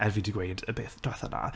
er fi 'di gweud y peth diwetha 'na,